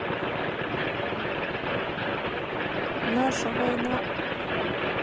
наша война